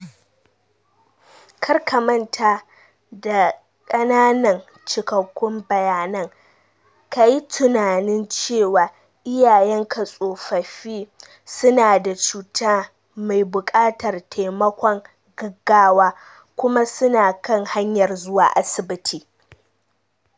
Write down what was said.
kar ka manta da kananan cikakkun bayanan: Ka yi tunanin cewa iyayen ka tsofaffi su na da cuta mai bukatar taimakon gaggawa kuma su na kan hanyar zuwa asibiti.